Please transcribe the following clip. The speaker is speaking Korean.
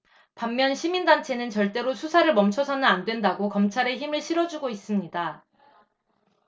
반면 시민단체는 절대로 수사를 멈춰서는 안 된다고 검찰에 힘을 실어주고 있습니다